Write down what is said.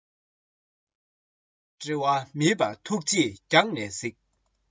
འབྲལ བ མེད པར ཐུགས རྗེས རྒྱང ནས གཟིགས